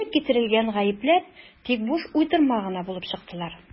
Элек китерелгән «гаепләр» тик буш уйдырма гына булып чыктылар.